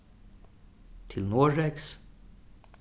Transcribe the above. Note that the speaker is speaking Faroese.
til noregs